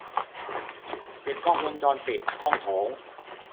ปิดกล้องวงจรปิดห้องโถง